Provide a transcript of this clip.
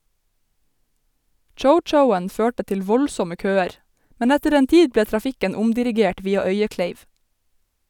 Chow-chowen førte til voldsomme køer , men etter en tid ble trafikken omdirigert via Øyekleiv.